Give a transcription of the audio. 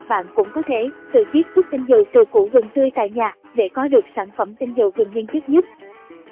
hoặc bạn cũng có thể tự chiết xuất tinh dầu từ củ gừng tươi tại nhà để có được sản phẩm tinh dầu gừng nguyên chất nhất